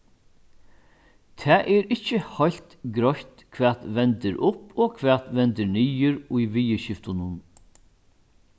tað er ikki heilt greitt hvat vendir upp og hvat vendir niður í viðurskiftunum